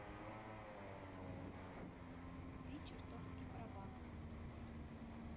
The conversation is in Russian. ты чертовски права